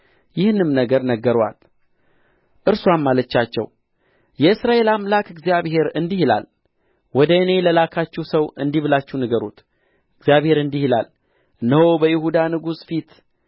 ይህንም ነገር ነገሩአት እርስዋም አለቻቸው የእስራኤል አምላክ እግዚአብሔር እንዲህ ይላል ወደ እኔ ለላካችሁ ሰው እንዲህ ብላችሁ ንገሩት እግዚአብሔር እንዲህ ይላል እነሆ በይሁዳ ንጉሥ ፊት